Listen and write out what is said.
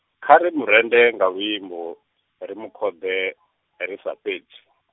kha ri murenzhe nga luimbo, ri mukhode , ri sa fhedzi .